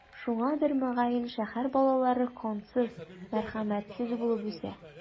Шуңадыр, мөгаен, шәһәр балалары кансыз, мәрхәмәтсез булып үсә.